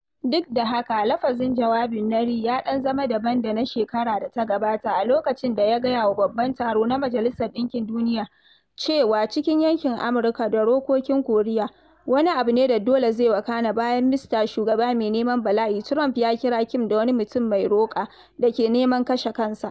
Duk da haka, lafazin jawabin na Ri ya ɗan zama daban daga na shekarar da ta gabata, a lokacin da ya gaya wa Babban Taro na Majalisar Ɗinkin Duniyar cewa cikin yankin Amurka da rokokin Koriya wani abu ne da dole zai wakana bayan “Mista Shugaba Mai Neman Bala’i” Trump ya kira Kim da wani “mutum mai roka” da ke neman kashe kansa.